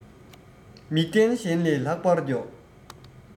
མིག ལྡན གཞན ལས ལྷག པར མགྱོགས